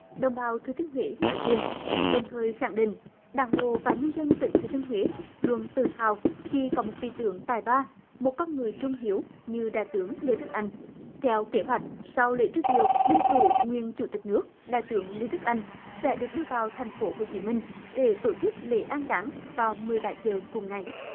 đồng bào thừa thiên huế nói riêng đồng thời khẳng định đảng bộ và nhân dân tỉnh thừa thiên huế luôn tự hào khi có một vị tướng tài ba một con người trung hiếu như đại tướng lê đức anh theo kế hoạch sau lễ truy điệu linh cữu nguyên chủ tịch nước đại tướng lê đức anh sẽ được đưa vào thành phố hồ chí minh để tổ chức lễ an táng vào mười bảy giờ cùng ngày